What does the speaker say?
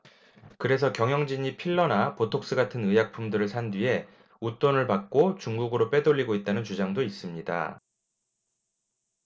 그래서 경영진이 필러나 보톡스 같은 의약품들을 산 뒤에 웃돈을 받고 중국으로 빼돌리고 있다는 주장도 있습니다